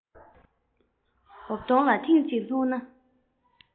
འོབ དོང ལ ཐེངས གཅིག ལྷུང ན